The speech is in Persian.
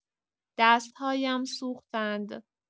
دست‌هایم سوختند.